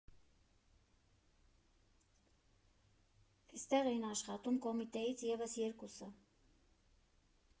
Էստեղ էին աշխատում Կոմիտեից ևս երկուսը.